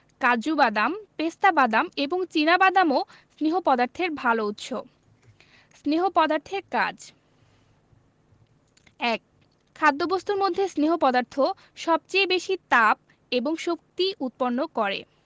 কাজু বাদাম পেস্তা বাদাম এবং চিনা বাদামও স্নেহ পদার্থের ভালো উৎস স্নেহ পদার্থের কাজ ১. খাদ্যবস্তুর মধ্যে স্নেহ পদার্থ সবচেয়ে বেশী তাপ এবং শক্তি উৎপন্ন করে